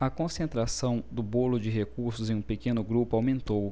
a concentração do bolo de recursos em um pequeno grupo aumentou